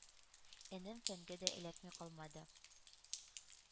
Энем Фәнгә дә эләкми калмады.